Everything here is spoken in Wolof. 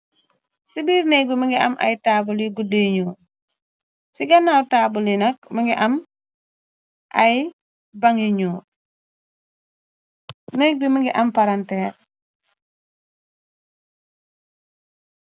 Ci biir nékg bi mungi am ay taabul yi guddeñu, ci ganaaw taabuli nak mungi am ay bangi ñuul, nekg bi mungi am paranteex.